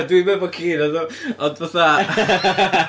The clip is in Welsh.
A dwi ddim efo ci nadw, ond fatha...